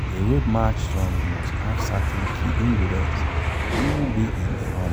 A Road March song must have certain key ingredients to even be in the running: